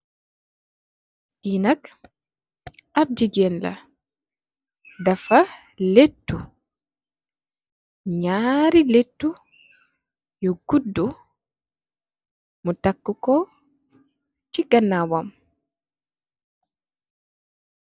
Li nak ap gigeen la, dafa lèttu ñaari lèttu yu guddu mu takka ku ci ganaw wam.